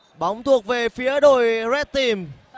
bóng thuộc về phía đội roét tim